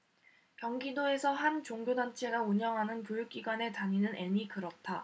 경기도에서 한 종교단체가 운영하는 교육기관에 다니는 앤이 그렇다